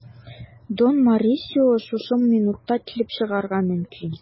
Дон Морисио шушы минутта килеп чыгарга мөмкин.